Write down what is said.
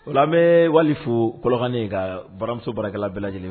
O an bɛ wali fo kɔlɔnkannen ka baramuso barakɛla bɛɛ lajɛlen